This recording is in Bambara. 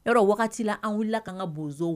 N yɔrɔ' dɔn wagati la an wulila kaan ka bonzo